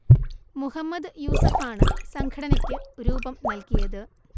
മുഹമ്മദ് യൂസഫാണ് സംഘടനയ്ക്ക് രൂപം നൽകിയത്